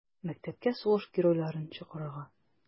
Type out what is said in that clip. Мәктәпкә сугыш геройларын чакырырга.